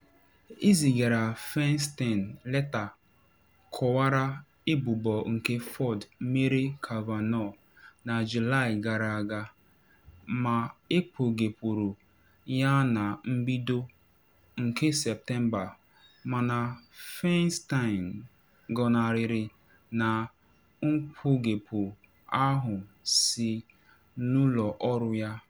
Ezigara Feinstein leta kọwara ebubo nke Ford mere Kavanaugh na Julaị gara aga, ma ekpughepuru ya na mbido nke Septemba - mana Feinstein gọnarịrị na mkpughepu ahụ si n’ụlọ ọrụ ya.